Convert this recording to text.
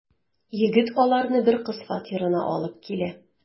Егет аларны бер кыз фатирына алып килә.